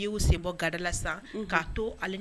N'' bɔ gadala sa ka to